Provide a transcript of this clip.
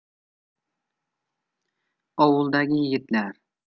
ovuldagi yigitlar